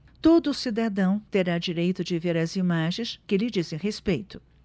todo cidadão terá direito de ver as imagens que lhe dizem respeito